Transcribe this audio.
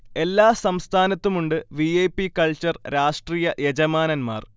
എല്ലാ സംസ്ഥാനത്തുമുണ്ട് V. I. P. Culture രാഷ്ട്രീയ യജമാനൻമാർ